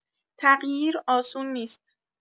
تغییر آسون نیست.